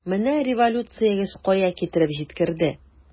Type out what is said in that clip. Менә революциягез кая китереп җиткерде!